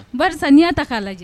Baasi n'iya ta k'a lajɛ